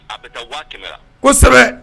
A bɛ taa waati kosɛbɛ